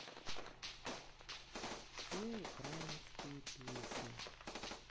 все украинские песни